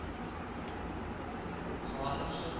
Һава торышы